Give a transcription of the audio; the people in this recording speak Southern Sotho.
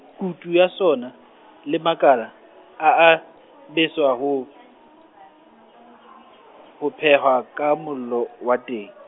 kutu ya sona, le makala, a a, beswa ho, ho phehwa ka mollo wa teng.